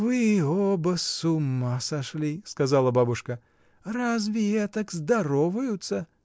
— Вы оба с ума сошли, — сказала бабушка, — разве этак здороваются?